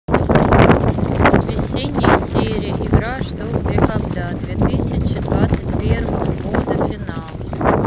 весенняя серия игра что где когда две тысячи двадцать первого года финал